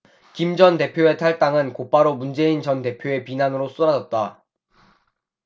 김 전 대표의 탈당은 곧바로 문재인 전 대표의 비난으로 쏟아졌다